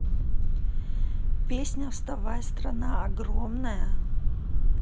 песня вставай страна огромная